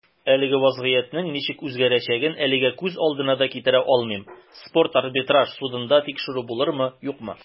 Әлеге вәзгыятьнең ничек үзгәрәчәген әлегә күз алдына да китерә алмыйм - спорт арбитраж судында тикшерү булырмы, юкмы.